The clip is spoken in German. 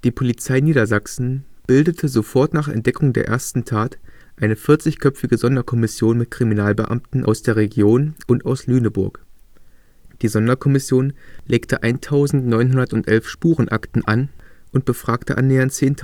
Polizei Niedersachsen bildete sofort nach Entdeckung der ersten Tat eine 40-köpfige Sonderkommission mit Kriminalbeamten aus der Region und aus Lüneburg. Die Sonderkommission legte 1.911 Spurenakten an und befragte annähernd 10.000